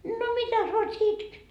no mitäs varten sinä itket